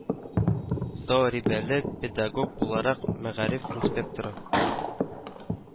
То рибәле педагог буларак, мәгариф инспекторы